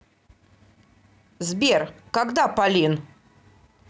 сбер когда полин